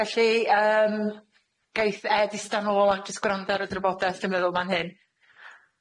Felly yym geith Ed ista nôl ac jyst gwrando ar y drafodaeth dwi'n meddwl man hyn.